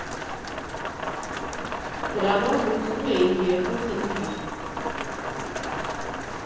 Դրանով լուծում էինք երկու խնդիր.